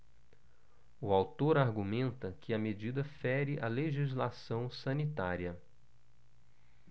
o autor argumenta que a medida fere a legislação sanitária